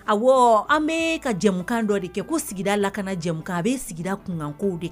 Ɔwɔ an bɛ ka jamukan dɔ de kɛ ko sigida lakana jamukan a bɛ sigi kunkan kow de kan